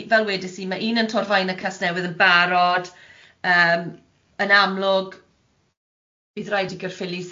fel wedes i, ma' un yn Torfaen a Casnewydd yn barod yym yn amlwg bydd rhaid i Gaerffili sefydlu un,